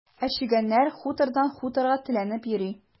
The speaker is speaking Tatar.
Ә чегәннәр хутордан хуторга теләнеп йөри.